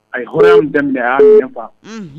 A ye hɔrɔnya min daminɛ a ya minɛn fa. Unhun